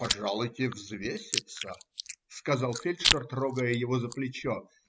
- Пожалуйте взвеситься, - сказал фельдшер, трогая его за плечо.